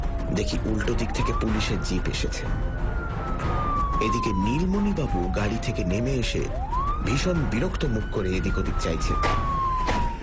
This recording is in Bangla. দেখি উলটোদিক থেকে পুলিশের জিপ এসেছে এদিকে নীলমণিবাবু গাড়ি থেকে নেমে এসে ভীষণ বিরক্ত মুখ করে এদিক ওদিক চাইছেন